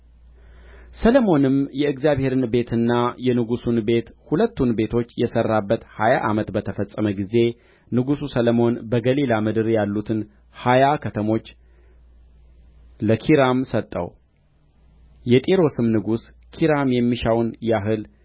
ሰሎሞንም የእግዚአብሔርን ቤትና የንጉሡን ቤት ሁለቱን ቤቶች የሠራበት ሀያ ዓመት በተፈጸመ ጊዜ ንጉሡ ሰሎሞን በገሊላ ምድር ያሉትን ሀያ ከተሞች ለኪራም ሰጠው የጢሮስም ንጉሥ ኪራም የሚሻውን ያህል